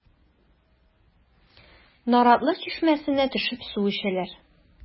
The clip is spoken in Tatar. Наратлы чишмәсенә төшеп су эчәләр.